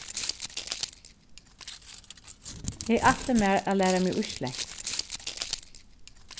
eg ætli mær at læra meg íslendskt